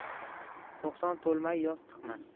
to'qson to'lmay yoz chiqmas